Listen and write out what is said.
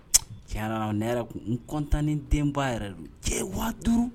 Jara ne yɛrɛ tun n kɔntan ni denba yɛrɛ don cɛwadu